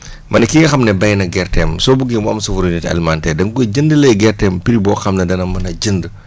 ma ne ki nga xam ne béy na gerteem su buggee mu am souveraineté alimentaire da nga koy jëndalee gerteem prix boo xam ne dana mun a jënd